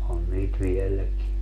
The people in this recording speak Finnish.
on niitä vieläkin